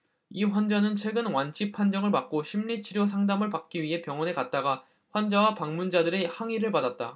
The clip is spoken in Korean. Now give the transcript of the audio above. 이 환자는 최근 완치 판정을 받고 심리 치료 상담을 받기 위해 병원에 갔다가 환자와 방문자들의 항의를 받았다